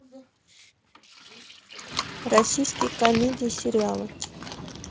российские комедии и сериалы